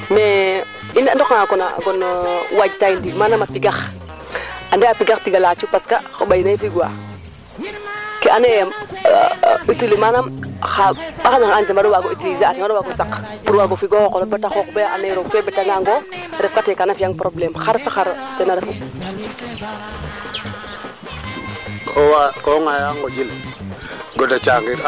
o nata ngaan qol ciig kene o xuma den bata yaaco ndokir o xaƴin bata weer naaga o calasin ret mbala la a soɓa ngaaye jeg ke a tarmba o waand tan ma tarma keene i mbigora ndiiki gombi figwa ta weeke saq lamb a ngodaanda waaga waaga ten i mbugoorogu tarma i mbugorogu